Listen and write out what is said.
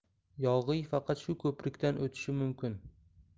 yog'iy faqat shu ko'prikdan o'tishi mumkin